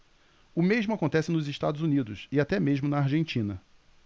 o mesmo acontece nos estados unidos e até mesmo na argentina